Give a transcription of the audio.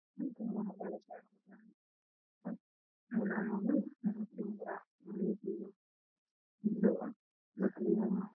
Halkaan waxaa ka muuqdo shaati cadays ah warqada ku dhegan ay tahay madaw iyo cadaan